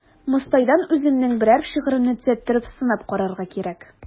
Мостайдан үземнең берәр шигыремне төзәттереп сынап карарга кирәк.